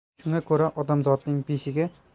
shunga ko'ra odamzotning beshigi